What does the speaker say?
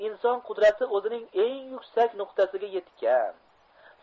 inson qudrati o'zining eng yuksak nuqtasiga yetgan